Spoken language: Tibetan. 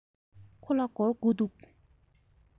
ཁོ ལ སྒོར དགུ འདུག